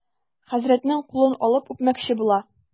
Хәзрәтнең кулын алып үпмәкче була.